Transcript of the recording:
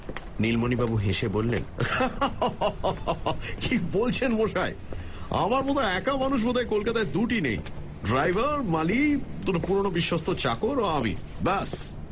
নীলমণিবাবু হেসে বললেন কী বলছেন মশাই আমার মতো একা মানুষ বোধহয় কলকাতায় দুটি নেই ড্রাইভার মালি দুটি পুরনো বিশ্বস্ত চাকর ও আমি ব্যস